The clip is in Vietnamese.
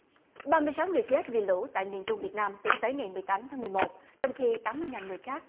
ba mươi sáu người chết vì lũ tại miền trung việt nam tính tới ngày mười tám tháng mười một trong khi tám mươi ngàn người khác